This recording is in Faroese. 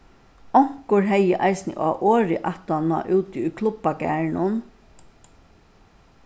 onkur hevði eisini á orði aftaná úti í klubbagarðinum